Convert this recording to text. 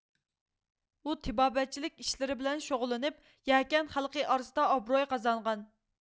ئۇ تېبابەتچىلىك ئىشلىرى بىلەن شۇغۇللىنىپ يەكەن خەلقى ئارىسىدا ئابروي قازانغان